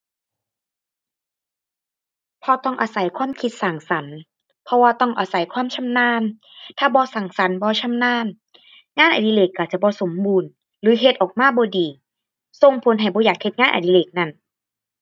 เราต้องอาศัยความคิดสร้างสรรค์ เพราะว่าต้องอาศัยความชำนาญ ถ้าบ่สร้างสรรค์ บ่ชำนาญ งานอดิเรกเราจะบ่สมบูรณ์หรือเฮ็ดออกมาบ่ดี ส่งผลให้บ่อยากเฮ็ดงานอดิเรกนั้น⁠